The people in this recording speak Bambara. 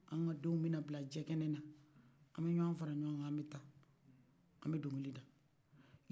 anw ka denw bɛna bila jɛ kɛnɛ la an bɛ ɲɔn fara ɲɔngɔn ka an bɛ ta an bɛ donkili da